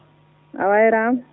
a wayraama